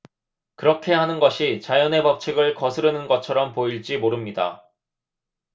그렇게 하는 것이 자연의 법칙을 거스르는 것처럼 보일지 모릅니다